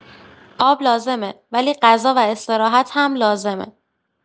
آب لازمه، ولی غذا و استراحت هم لازمه.